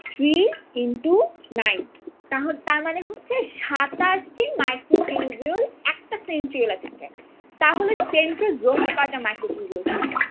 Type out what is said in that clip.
three into nine তার মানে হচ্ছে ২৭ টি মাইক্রোটিউবিউল একটা সেন্ট্রিওল এ থাকে তাহলে সেন্ট্রোজোম এ কয়টা মাইক্রোটিউবিউল থাকবে